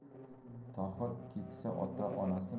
tohir keksa ota onasi